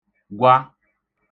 gwa